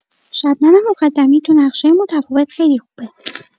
شبنم مقدمی تو نقشای متفاوت خیلی خوبه.